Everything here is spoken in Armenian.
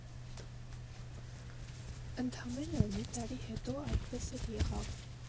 Ընդամենը մի տարի հետո այդպես էլ եղավ։